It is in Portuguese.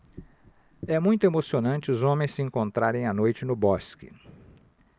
é muito emocionante os homens se encontrarem à noite no bosque